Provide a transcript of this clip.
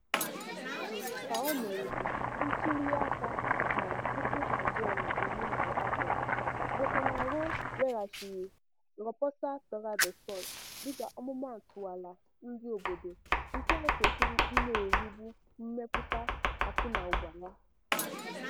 Obere oge ka o meriri ntuliaka na 2018, Bolsonaro weghachiri Raposa Terra do Sol dịka ọmụmaatụ ala ndị obodo nke e kwesịrị ị na-erigbu mmepụta akụnaụba ya.